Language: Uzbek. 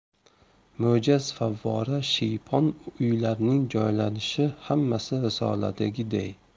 mo'jaz favvora shiypon uylarning joylanishi hammasi risoladagiday